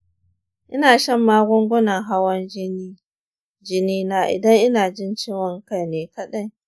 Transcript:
ina shan magungunan hawan jini na idan ina jin ciwon kai ne kaɗai.